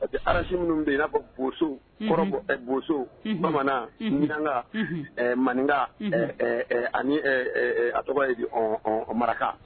Parce que race minnu bɛ yen i n'a fɔ bozow, unhun, kɔrɔb bozow, unhun, bamanan, unhun, miɲanka, unhun, ɛ maninka, unhun, ɛ ɛ ani ɛ ɛ a tɔgɔ ye di ɔ maraka